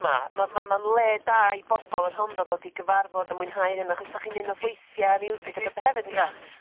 'ma. Ma' ma' ma'n le da i bobol y Rhondda dod i gyfarfod a mwynhau hunan achos dych chi'n neud nosweithie miwsig a pethe hefyd on'd yfe?